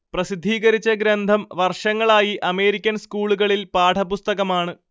പ്രസിദ്ധീകരിച്ച ഗ്രന്ഥം വർഷങ്ങളായി അമേരിക്കൻ സ്കൂളുകളിൽ പാഠപുസ്തകമാണ്